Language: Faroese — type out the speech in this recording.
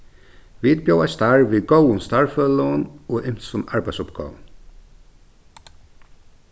vit bjóða eitt starv við góðum starvsfelagum og ymsum arbeiðsuppgávum